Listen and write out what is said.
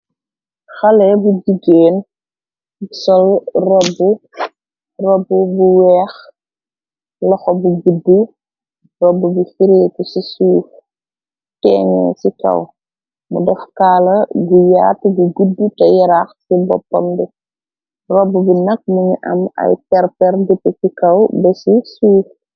Xale bu jigeen bisol robbu robbu bu weex loxo bu guddu robbo bi fireeku ci suuf teeñe ci kaw mu def kaala bu yaati gu gidd te yaraax ci boppam bi rob bi nag manu am ay terper bute ci kaw besi suuf.